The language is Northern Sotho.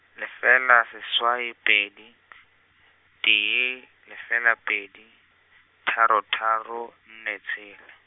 lefela seswai pedi, tee, lefela pedi, tharo tharo, nne, tshela.